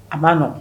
A ma lɔn